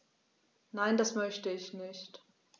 Nein, das möchte ich nicht.